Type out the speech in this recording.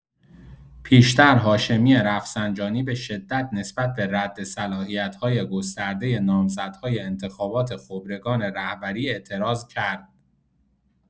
پیشتر هاشمی رفسنجانی، به‌شدت نسبت به رد صلاحیت‌های گسترده نامزدهای انتخابات خبرگان رهبری اعتراض کرد.